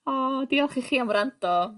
O diolch i chi am wrando.